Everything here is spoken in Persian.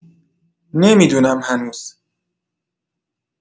نمی‌دونم هنوز.